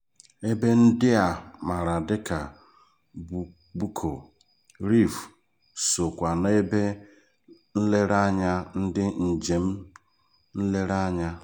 Ebe ndị a maara dịka Buccoo Reef so kwa n'ebe nlereanya ndị njem nlereanya.